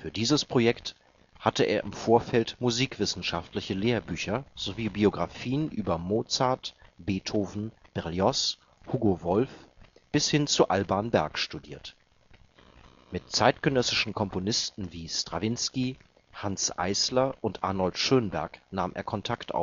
dieses Projekt hatte er im Vorfeld musikwissenschaftliche Lehrbücher sowie Biografien über Mozart, Beethoven, Berlioz, Hugo Wolf bis hin zu Alban Berg studiert. Mit zeitgenössischen Komponisten wie Strawinsky, Hanns Eisler und Arnold Schönberg nahm er Kontakt